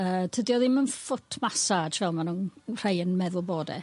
yy tydi o ddim yn foot massage fel ma' nw'n rhai yn meddwl bod e.